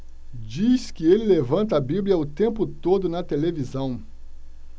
diz que ele levanta a bíblia o tempo todo na televisão